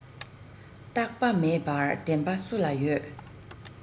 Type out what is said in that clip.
རྟག པ མེད པར བདེན པ སུ ལ ཡོད